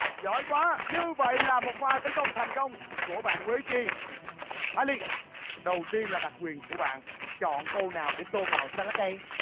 giỏi quá như vậy là một pha tấn công thành công của bạn quế chi ha li đầu tiên là đặc quyền của bạn chọn ô nào để tô màu xanh lá cây